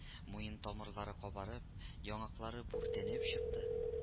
Муен тамырлары кабарып, яңаклары бүртенеп чыкты